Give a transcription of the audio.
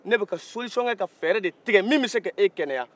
ne bɛ ka solisɔn kɛ ka fɛɛrɛ de tigɛ min bɛ se ka e kɛnɛya